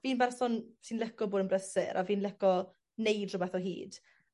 fi'n berson sy'n lico bod yn brysur a fi'n lico neud rhwbeth o hyd